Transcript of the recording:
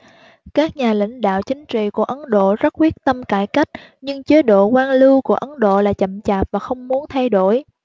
các nhà lãnh đạo chính trị của ấn độ rất quyết tâm cải cách nhưng chế độ quan liêu của ấn độ lại chậm chạp và không muốn thay đổi